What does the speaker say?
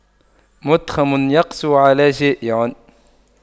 مُتْخَمٌ يقسو على جائع